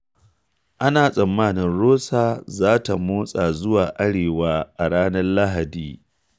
Ana tsammanin Rosa za ta motsa zuwa arewa a ranar Lahadi.